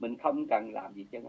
mình không cần làm gì hết